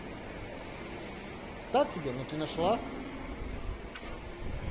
так себе но ты нашла